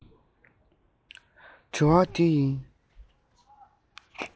དྲི བ དེ ཡིན